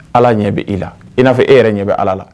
Ala ɲɛ bɛ i la i n'a fɔ e yɛrɛ ɲɛ bɛ ala la